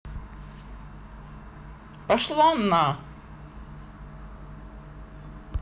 пошла на